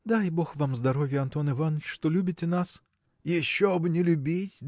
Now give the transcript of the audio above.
– Дай бог вам здоровья, Антон Иваныч, что любите нас. – Еще бы не любить!